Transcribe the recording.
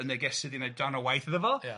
...y negesydd i wneud darn o waith iddo fo... Ia